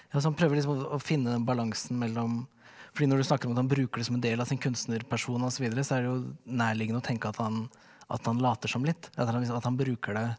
ja så han prøver liksom å finne den balansen mellom fordi når du snakker om at han bruker det som en del av sin kunstnerperson osv. så er det jo nærliggende å tenke at han at han later som litt eller at han liksom at han bruker det.